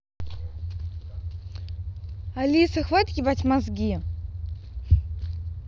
алиса хватит ебать мозги